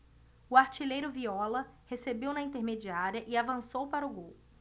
o artilheiro viola recebeu na intermediária e avançou para o gol